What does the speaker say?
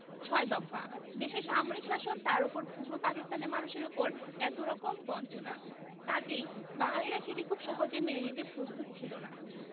ছয় দফা দেশে সামরিক শাসন তার ওপর পূর্ব পাকিস্তানের মানুষের ওপর এতরকম বঞ্চনা কাজেই বাঙালিরা সেটি খুব সহজে মেনে নিতে প্রস্তুত ছিল না